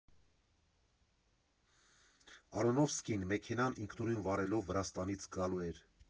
Արոնոֆսկին՝ մեքենան ինքնուրույն վարելով, Վրաստանից գալու էր.